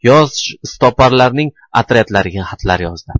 yosh iztoparlarning otryadlariga xatlar yozdi